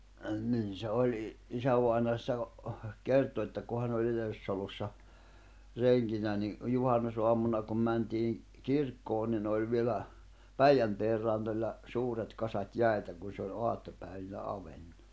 - niin se oli - isävainaja sitä - kertoi että kun hän oli yhdessä talossa renkinä niin juhannusaamuna kun mentiin kirkkoon niin oli vielä Päijänteen rannoilla suuret kasat jäitä kun se oli aattopäivinä auennut